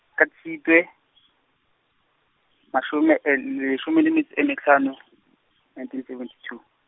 ka Tshitwe , mashome leshome le metso e mehlano, nineteen seventy two.